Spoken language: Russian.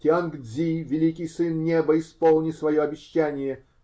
Тианг-Дзи, великий сын неба, исполни свое обещание.